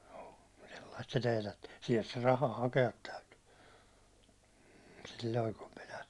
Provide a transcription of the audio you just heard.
joo sellaista se teetätti sieltä se raha hakea täytyi silloin kun minä